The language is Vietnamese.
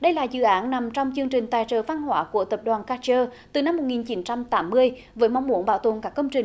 đây là dự án nằm trong chương trình tài trợ văn hóa của tập đoàn ca trơ từ năm một nghìn chín trăm tám mươi với mong muốn bảo tồn các công trình